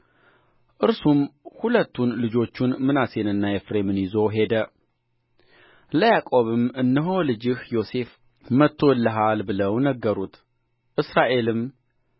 እርሱም ሁለቱን ልጆቹን ምናሴንና ኤፍሬምን ይዞ ሄደ ለያዕቆብም እነሆ ልጅህ ዮሴፍ መጥቶልሃል ብለው ነገሩት እስራኤልም